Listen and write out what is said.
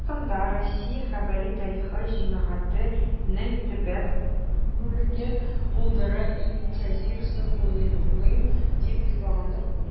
"татарстанда "россия хәрби-тарихи җәмгыяте"нең төбәк бүлеген булдыру инициативасын хуплыйм", - дип йомгаклады ул.